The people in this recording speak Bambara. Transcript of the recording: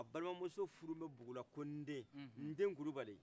a balimamuso furulen bɛ bugula ko nden nden kulubali